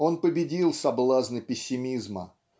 Он победил соблазны пессимизма.